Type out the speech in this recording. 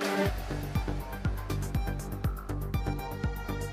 Sanunɛ